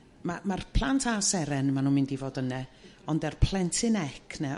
ma' ma'r plant a seren ma' nhw mynd i fod yne ond yr plentyn ec 'na